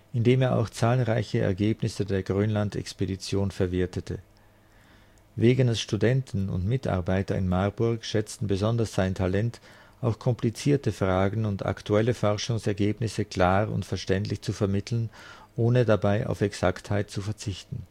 in dem er auch zahlreiche Ergebnisse der Grönlandexpedition verwertete. Wegeners Studenten und Mitarbeiter in Marburg schätzten besonders sein Talent, auch komplizierte Fragen und aktuelle Forschungsergebnisse klar und verständlich zu vermitteln, ohne dabei auf Exaktheit zu verzichten